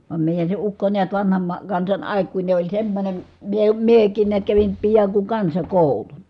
vaan meidän se ukko näet vanhan - kansan aikuinen oli semmoinen - minäkin näet kävin pian kun kansakoulun